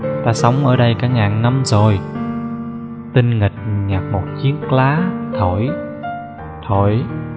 ta sống ở đây cả ngàn năm rồi tinh nghịch nhạc một chiếc lá thổi thổi